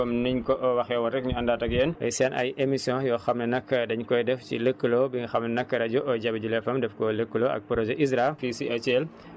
comme niñ ko waxee woon rek ñu àndaat ak yéen seen ay émissions yoo xam ne nag dañu koy def si lëkkaloo bi nga xam ne nag rajo Jabi jula FM daf koo lëkkaloo ak projet ISRA fii si Thiel